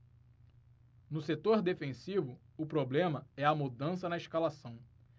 no setor defensivo o problema é a mudança na escalação